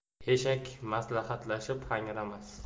eshak maslahatlashib hangramas